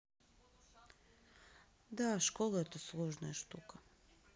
да школа это сложная штука